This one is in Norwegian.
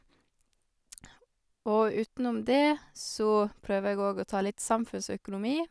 Og utenom dét, så prøver jeg óg å ta litt samfunnsøkonomi.